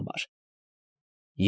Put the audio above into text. Համար։